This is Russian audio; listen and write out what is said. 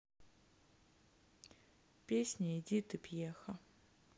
песни эдиты пьеха